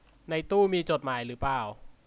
ในตู้มีจดหมายเปล่า